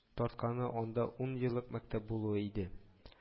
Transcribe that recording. Тартканы анда ун еллык мәктәп булуы иде